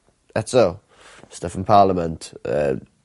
eto stuff yn Parliament yy